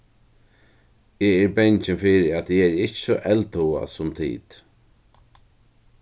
eg eri bangin fyri at eg eri ikki so eldhugað sum tit